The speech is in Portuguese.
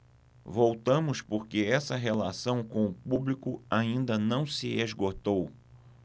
voltamos porque essa relação com o público ainda não se esgotou